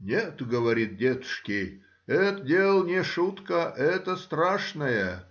Нет, говорит, детушки, это дело не шутка,— это страшное.